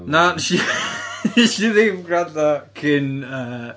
Na wnes i wnes i ddim gwrando cyn yy...